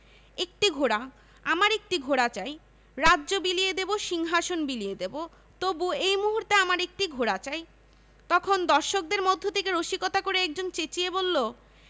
একটি ঘোড়া আমার একটি ঘোড়া চাই রাজ্য বিলিয়ে দেবো সিংহাশন বিলিয়ে দেবো তবু এই মুহূর্তে আমার একটি ঘোড়া চাই – তখন দর্শকদের মধ্য থেকে রসিকতা করে একজন চেঁচিয়ে বললো